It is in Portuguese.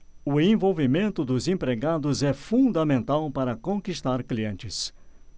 o envolvimento dos empregados é fundamental para conquistar clientes